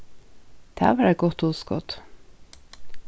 tað var eitt gott hugskot